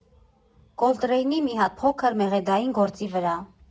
Կոլտրեյնի մի հատ փոքր, մեղեդային գործի վրա։